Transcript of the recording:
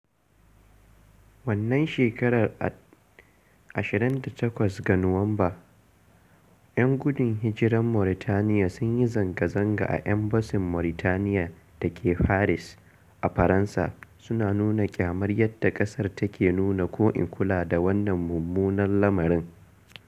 Wannan shekarar a 28 ga Nuwamba, 'yan gudun hijirar Mauritaniya sun yi zanga-zanga a embasin Mauritaniya da ke Paris, a Faransa, suna nuna ƙyamar yadda ƙasar take nuna ko-in-kula da wannan mummunan lamarin.